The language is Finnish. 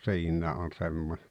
siinä on semmoinen